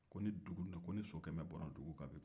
ko ni so kɛmɛ bɔnna dugu kan bi